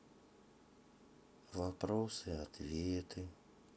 вопросы ответы